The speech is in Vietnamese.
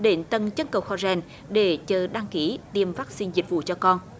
đến tầng chân cầu kho rèn để chờ đăng ký tiêm vắc xin dịch vụ cho con